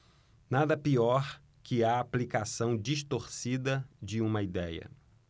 nada pior que a aplicação distorcida de uma idéia